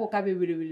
Ko k' bɛi wele wuli